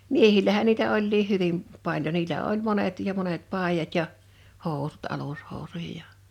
miehillähän niitä olikin hyvin paljon niillä oli monet ja monet paidat ja housut alushousuja ja